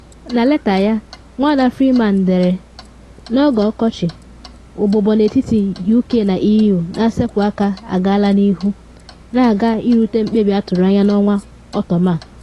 Na leta ya, Nwada Freeman dere: “N’oge ọkọchị, ụbụbọ n’etiti UK na EU na nsepụ aka agaala n’ihu, na aga irute mkpebi atụrụ anya n’ọtọm a.